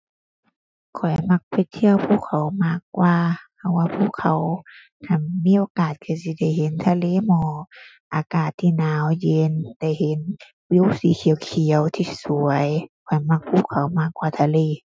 ข้อยมักไปเที่ยวภูเขามากกว่า เพราะว่าภูเขาคันมีโอกาสก็สิได้เห็นทะเลหมอกอากาศที่หนาวเย็น ได้เห็นวิวสีเขียวเขียวที่สวย ข้อยมักภูเขามากกว่าทะเล